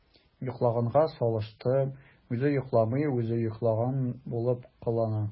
“йоклаганга салышты” – үзе йокламый, үзе йоклаган булып кылана.